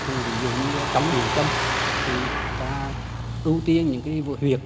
thì ví dụ như trong điện châm thì chúng ta ưu tiên những cái vụ huyệt